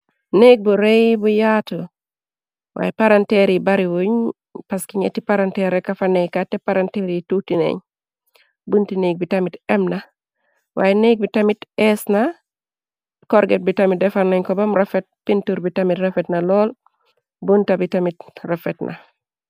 Nekk bu rey bu yaatu, waaye paranteer yi bariwuñ pas ki ñetti paranteerekafa nekka te paranteer yi tuutineñ. Bunti nek bi tamit emna , waaye nekk bi tamit ees na , corget bi tamit defar nañ ko bam rafet, pintur bi tamit refet na lool bunta bi tamit rafet na.